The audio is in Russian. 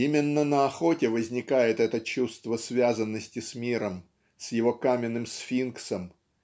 Именно на охоте возникает это чувство связанности с миром с его каменным Сфинксом